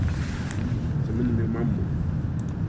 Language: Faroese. hetta minnir meg um mammu